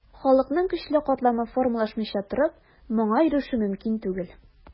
Халыкның көчле катламы формалашмыйча торып, моңа ирешү мөмкин түгел.